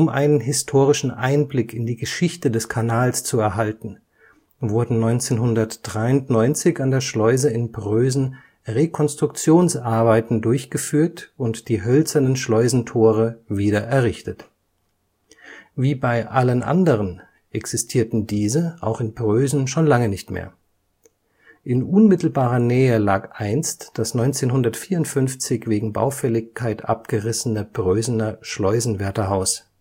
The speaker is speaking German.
einen historischen Einblick in die Geschichte des Kanals zu erhalten, wurden 1993 an der Schleuse in Prösen Rekonstruktionsarbeiten durchgeführt und die hölzernen Schleusentore wieder errichtet. Wie bei allen anderen existierten diese auch in Prösen schon lange nicht mehr. In unmittelbarer Nähe lag einst das 1954 wegen Baufälligkeit abgerissene Prösener Schleusenwärterhaus